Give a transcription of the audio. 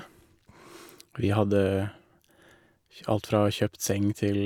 Vi hadde kj alt fra å kjøpt seng til...